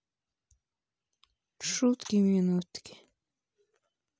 шутки минутки